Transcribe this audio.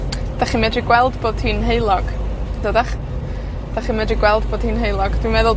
'Dach chi'n medru gweld bod hi'n heulog. Doddach? 'Dach chi'n medru gweld bod hi'n heulog. Dwi'n meddwl